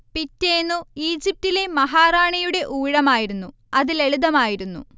പിറ്റേന്നു ഈജിപ്തിലെ മഹാറാണിയുടെ ഊഴമായിരുന്നു അതു ലളിതമായിരുന്നു